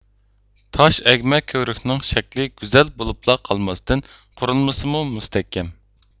تاش ئەگمە كۆۋرۈكنىڭ شەكلى گۈزەل بولۇپلا قالماستىن قۇرۇلمىسىمۇ مۇستەھكەم